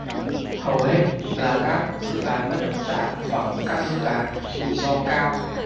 hầu hết là các dự án bất động sản hoặc các dự án rủi ro cao